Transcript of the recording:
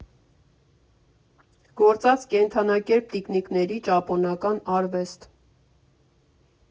Գործած կենդանակերպ տիկնիկների ճապոնական արվեստ։